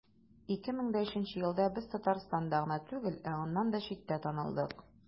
2003 елда без татарстанда гына түгел, ә аннан читтә дә танылдык.